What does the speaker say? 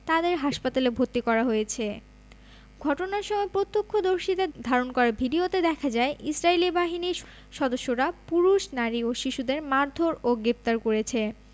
তাদের হাসপাতালে ভর্তি করা হয়েছে ঘটনার সময় প্রত্যক্ষদর্শীদের ধারণ করা ভিডিওতে দেখা যায় ইসরাইলী বাহিনীর সদস্যরা পুরুষ নারী ও শিশুদের মারধোর ও গ্রেফতার করছে